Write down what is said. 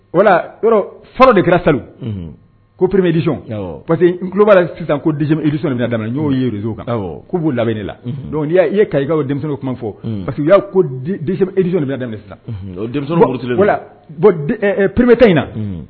Wala yɔrɔ fara de kɛra sa ko pereebedisɔn pa que tulo' sisan ko isɔnni dan n'o ye z kan k' b'u labɛn de la dɔnku y'a ye ka i' denmisɛnw kuma fɔ parce que u y'a ko isɔn nin denmisɛnnin denmisɛn perepbeta in na